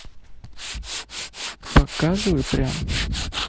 показывай прям